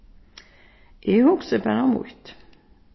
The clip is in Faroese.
eg hugsi bara mítt